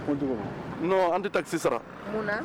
An tɛ ta sisan sara